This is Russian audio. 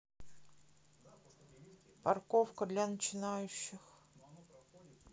парковка для начинающих